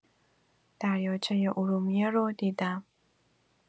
دریاچه ارومیه رو دیدم.